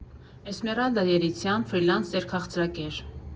Էսմերալդա Երիցյան, ֆրիլանսեր, քաղցրակեր։